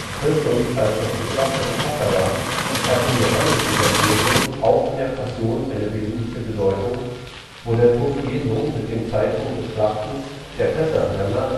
Christus als das geschlachtete Passahlamm hat im Johannesevangelium auch in der Passion eine wesentliche Bedeutung, wo der Tod Jesu mit dem Zeitpunkt des Schlachtens der Pessachlämmer